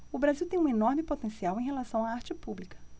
o brasil tem um enorme potencial em relação à arte pública